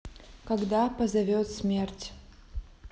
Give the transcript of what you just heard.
когда позовет смерть